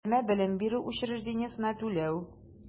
Өстәмә белем бирү учреждениесенә түләү